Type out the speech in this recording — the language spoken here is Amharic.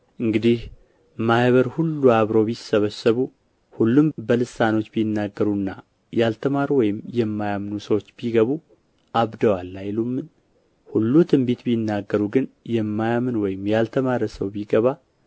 እንግዲህ ማኅበር ሁሉ አብረው ቢሰበሰቡ ሁሉም በልሳኖች ቢናገሩና ያልተማሩ ወይም የማያምኑ ሰዎች ቢገቡ አብደዋል አይሉምን ሁሉ ትንቢት ቢናገሩ ግን የማያምን ወይም ያልተማረ ሰው ቢገባ